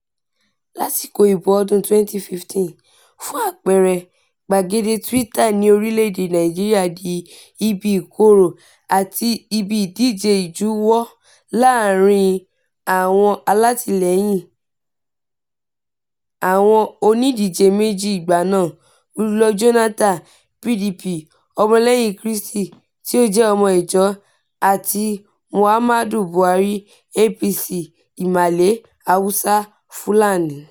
Lásìkò ìbò ọdún-un 2015, fún àpẹẹrẹ, gbàgede Twitter ní orílẹ̀-èdèe Nàìjíríà di ibi ìkorò àti ibi ìdíje ìjuwọ́ láàárín àwọn alátìlẹ́yìn àwọn òǹdíje méjì ìgbà náà, Goodluck Jonathan (PDP, ọmọ lẹ́yìn Krístì tó jẹ́ ọmọ Ijaw) àti Muhammadu Buhari (APC, Ìmàle, Hausa, Fulani).